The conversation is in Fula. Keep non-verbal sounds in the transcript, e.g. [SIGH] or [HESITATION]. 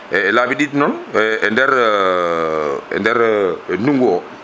e laabi ɗiɗi noon [HESITATION] e nder nder ndungu o